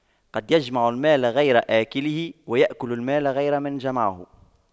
قد يجمع المال غير آكله ويأكل المال غير من جمعه